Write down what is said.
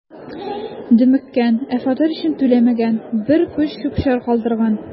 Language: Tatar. „дөмеккән, ә фатир өчен түләмәгән, бер күч чүп-чар калдырган“.